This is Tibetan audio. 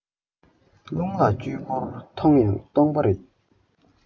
རླུང ལ གཅུས བསྐོར མཐོང ཡང སྟོང པ རེད